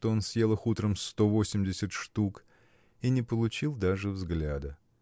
что он съел их утром сто восемьдесят штук – и не получил даже взгляда.